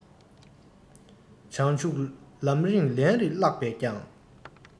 བྱང ཆུབ ལམ རིམ ལན རེ བཀླགས པས ཀྱང